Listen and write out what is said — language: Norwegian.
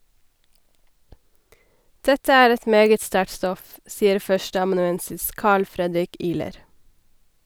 Dette er et meget sterkt stoff, sier 1. amanuensis Carl Fredrik Ihler.